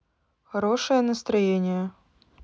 хорошее настроение